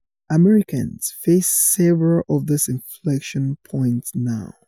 Americans face several of these inflection points now.